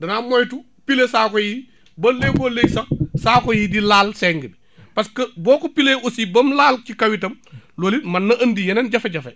danaa moytu piler saako yi ba léegooléeg sax saako yi di laal seng bi pârce que boo ko piler aussi ba mu laal ci kaw itam loolu it man na andi yeneen jafe-jafe